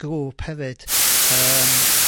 grŵp hefyd yym